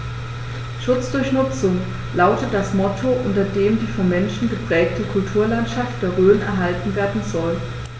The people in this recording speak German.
„Schutz durch Nutzung“ lautet das Motto, unter dem die vom Menschen geprägte Kulturlandschaft der Rhön erhalten werden soll.